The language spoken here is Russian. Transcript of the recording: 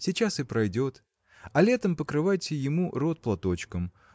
сейчас и пройдет, а летом покрывайте ему рот платочком